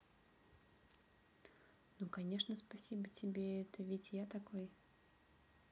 ну конечно спасибо тебе это ведь я такой